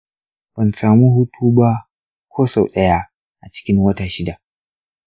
ban samu hutu ba ko sau daya a cikin wata shida.